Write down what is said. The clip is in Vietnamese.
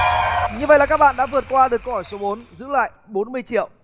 như vậy là các bạn đã vượt qua được câu hỏi số bốn giữ lại bốn mươi triệu